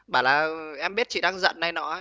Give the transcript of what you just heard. bảo là em biết chị đang giận này nọ